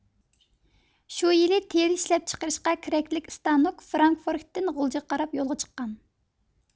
شۇ يىلى تېرە ئىشلەپ چىقىرىشقا كېرەكلىك ئىستانوك فرانكفورتتىن غۇلجىغا قاراپ يولغا چىققان